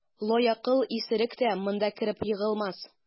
Лаякыл исерек тә монда кереп егылмас.